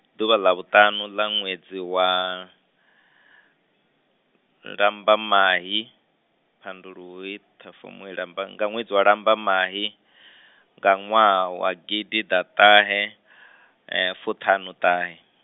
ndi ḓuvha ḽa vhuṱaṋu ḽa ṅwedzi wa, ḽambamai, phando luhuhi Ṱhafamuhwe ḽamba- nga ṅwedzi ḽambamabi nga ṅwaha wa gididatahe- -futhanutahe.